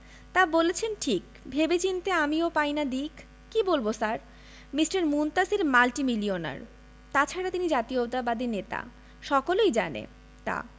তা বলেছেন ঠিক ভেবে চিন্তে আমিও পাই না দিক কি বলব স্যার মিঃ মুনতাসীর মাল্টিমিলিওনার তাছাড়া তিনি জাতীয়তাবাদী নেতা সকলেই জানে তা